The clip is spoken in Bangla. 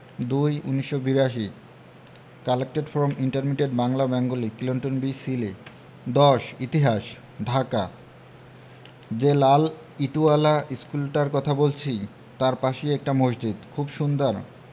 ২/১৯৮২ collected from intermediate Bangla Bengali Clinton B Seely ১০ ইতিহাস ঢাকা যে লাল ইটোয়ালা ইশকুলটার কথা বলছি তাই পাশেই একটা মসজিদ খুব সুন্দর